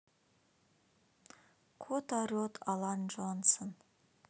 кот орет олан джонсон